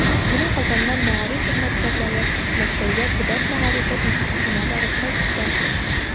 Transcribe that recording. Менә Казаннан мәгариф хезмәткәрләре Мәскәүгә Төбәк мәгарифе институтына барып кайтты.